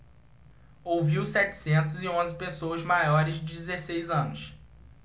ouviu setecentos e onze pessoas maiores de dezesseis anos